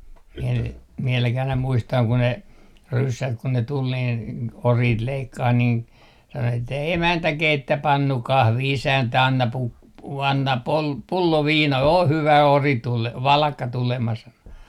minä niitä vieläkin aina muistan kun ne ryssät kun ne tuli niin oriit leikkaamaan niin sanoi että emäntä keitä pannu kahvi isäntä anna - anna - pullo viina ole hyvä ori - valakka tulemas sanoi